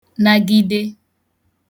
nagịde